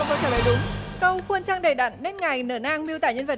câu trả lời đúng câu khuôn trăng đầy đặn nét ngài nở nang miêu tả nhân vật